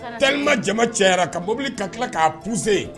Tellement jama cayara ka mobili ka tila k'a pousser